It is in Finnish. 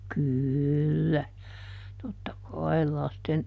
kyllä totta kai lasten